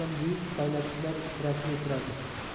o'tgan buyuk faylasuflar sirasiga kiradi